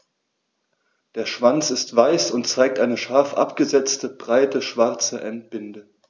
Der Schwanz ist weiß und zeigt eine scharf abgesetzte, breite schwarze Endbinde.